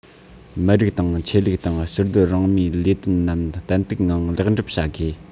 མི རིགས དང ཆོས ལུགས དང ཕྱིར སྡོད རང མིའི ལས དོན རྣམས ཏན ཏིག ངང ལེགས འགྲུབ བྱ དགོས